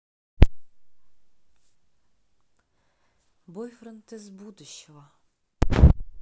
бойфренд из будущего